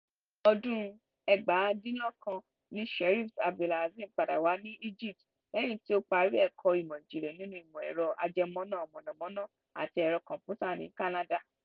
Ọdún 1999 ni tí Sherif Abdel-Azim padà wà ní Egypt lẹ́yìn tí ó parí ẹ̀kọ́ Ìmọ̀-ìjìnlẹ̀ nínú Ìmọ̀-ẹ̀rọ Ajẹmọ́ná mọ̀nàmọ́ná àti Ẹ̀rọ Kọ̀m̀pútà ní Canada.